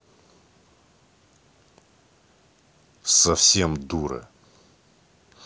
совсем дура